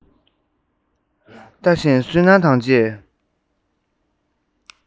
ལྟ བཞིན སུན སྣང དང བཅས